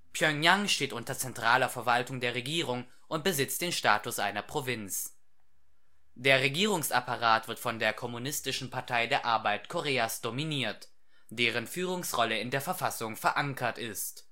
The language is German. Pjöngjang steht unter zentraler Verwaltung der Regierung und besitzt den Status einer Provinz. Der Regierungsapparat wird von der kommunistischen Partei der Arbeit Koreas dominiert, deren Führungsrolle in der Verfassung verankert ist